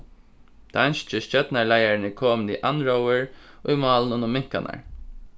danski stjórnarleiðarin er komin í andróður í málinum um minkarnar